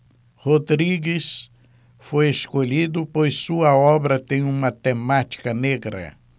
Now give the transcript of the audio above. rodrigues foi escolhido pois sua obra tem uma temática negra